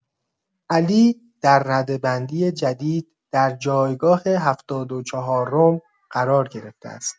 علی در رده‌بندی جدید در جایگاه هفتاد و چهارم قرار گرفته است.